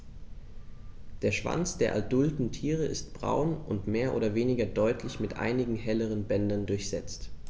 Der Schwanz der adulten Tiere ist braun und mehr oder weniger deutlich mit einigen helleren Bändern durchsetzt.